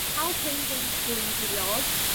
...ca'l cravings bwyd rili od.